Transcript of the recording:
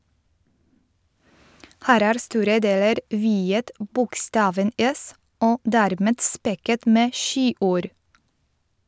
Her er store deler viet bokstaven s - og dermed spekket med skiord.